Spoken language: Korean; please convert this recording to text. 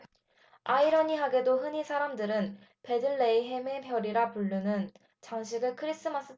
아이러니하게도 흔히 사람들은 베들레헴의 별이라 부르는 장식을 크리스마스트리 꼭대기에 달아 놓습니다